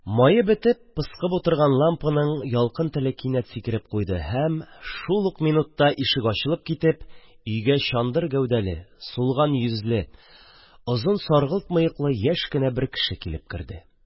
Мае бетеп, пыскып утырган лампаның ялкын теле кинәт сикереп куйды, һәм шул ук минутта ишек ачылып китеп, өйгә чандыр гәүдәле, сулган йөзле, озын саргылт мыеклы яшь кенә бер кеше килеп керде.